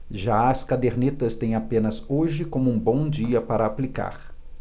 já as cadernetas têm apenas hoje como um bom dia para aplicar